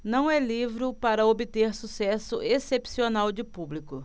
não é livro para obter sucesso excepcional de público